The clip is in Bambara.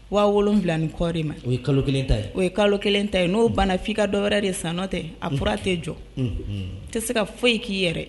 Wa wolo wolonwula ni kɔɔri ma o ye kalo kelen ta ye o ye kalo kelen ta ye n'o bana f' i ka dɔwɛrɛ de san nɔo tɛ a fura tɛ jɔ tɛ se ka foyi ye k'i yɛrɛ